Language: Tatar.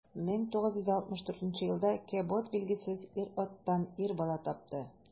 1964 елда кэбот билгесез ир-аттан ир бала тапты.